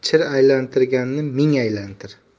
chir aylantirganni ming aylantir